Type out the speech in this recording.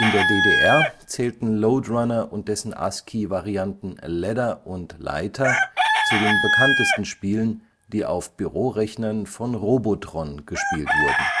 der DDR zählten Lode Runner und dessen ASCII-Varianten Ladder und Leiter zu den bekanntesten Spielen, die auf Bürorechnern von Robotron gespielt wurden